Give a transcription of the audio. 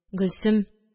Гөлсем